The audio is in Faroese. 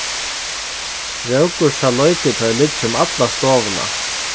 rókursa leikutoy liggja um alla stovuna